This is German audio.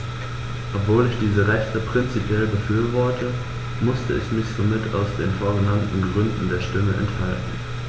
Obwohl ich diese Rechte prinzipiell befürworte, musste ich mich somit aus den vorgenannten Gründen der Stimme enthalten.